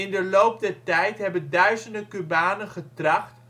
de loop der tijd hebben duizenden Cubanen getracht